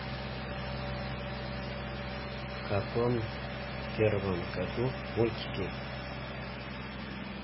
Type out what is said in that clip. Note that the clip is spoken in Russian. в каком первом году мультики